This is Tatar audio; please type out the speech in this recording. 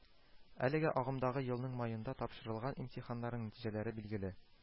Әлегә агымдагы елның маенда тапшырылган имтиханнарның нәтиҗәләре билгеле